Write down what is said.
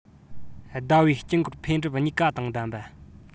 ཟླ བའི དཀྱིལ འཁོར འཕེལ འགྲིབ གཉིས ཀ དང ལྡན པ